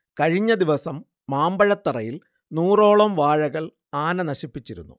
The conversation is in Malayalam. കഴിഞ്ഞദിവസം മാമ്പഴത്തറയിൽ നൂറോളം വാഴകൾ ആന നശിപ്പിച്ചിരുന്നു